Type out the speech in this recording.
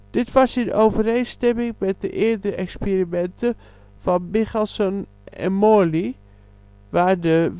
Dit was in overeenstemming met de eerdere experimenten van Michelson en Morley, waar de